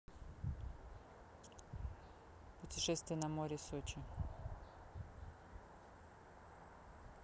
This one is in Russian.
путешествие на море сочи